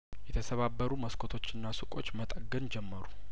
የተሰባበሩ መስኮቶችና ሱቆች መጠገን ጀመሩ